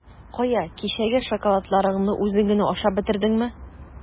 Кая, кичәге шоколадларыңны үзең генә ашап бетердеңме?